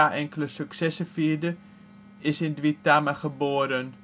enkele successen vierde, is in Duitama geboren